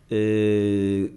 Ɛɛ